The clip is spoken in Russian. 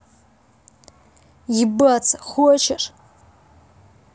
ебаться хочешь